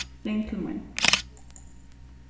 ring til mín